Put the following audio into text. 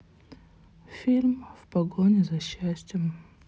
фильм в погоне за счастьем